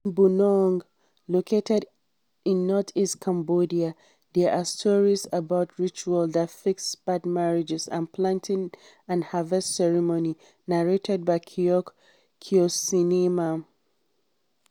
In Bunong, located in northeast Cambodia, there are stories about rituals to fix bad marriages and planting and harvest ceremonies narrated by Khoeuk Keosineam.